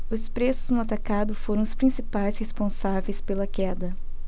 os preços no atacado foram os principais responsáveis pela queda